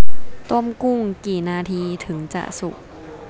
ต้มกุ้งกี่นาทีถึงจะสุก